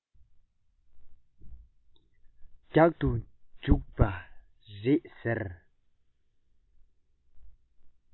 རྒྱག ཏུ འཇུག པས རེད ཟེར